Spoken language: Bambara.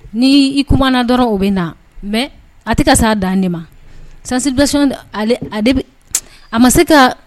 Ni ikman dɔrɔn o bɛ na mɛ a tɛ ka s a dan de ma sansison a ma se ka